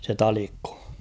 se Talikko